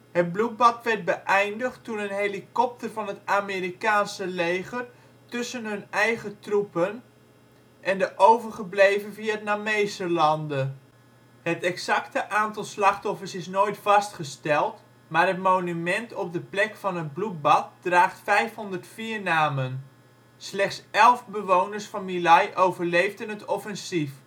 Het bloedbad werd beëindigd toen een helikopter van het Amerikaanse leger tussen hun eigen troepen en de overgebleven Vietnamezen landde; het exacte aantal slachtoffers is nooit vastgesteld, maar het monument op de plek van het bloedbad draagt 504 namen. Slechts elf bewoners van My Lai overleefden het offensief